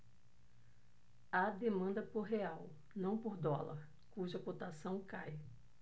há demanda por real não por dólar cuja cotação cai